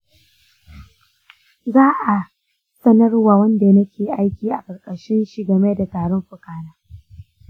za'a sanarwa wnda nake aiki a karkashin shi game da tarin fuka na?